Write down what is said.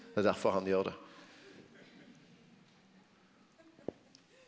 det er derfor han gjer det.